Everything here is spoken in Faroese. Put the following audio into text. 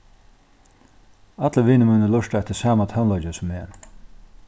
allir vinir mínir lurta eftir sama tónleiki sum eg